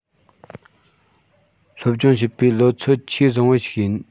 སློབ སྦྱོང བྱེད པའི ལོ ཚོད ཆེས བཟང པོ ཞིག ཡིན